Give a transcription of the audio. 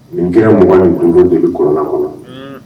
Nin kɛra mɔgɔ ni tun deli kɔrɔlan kɔnɔ